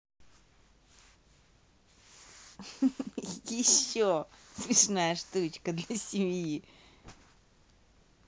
еще смешная шутка для семьи